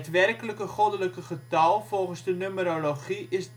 werkelijke goddelijke getal volgens de numerologie is